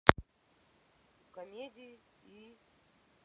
комедии и